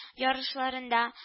Ярышларда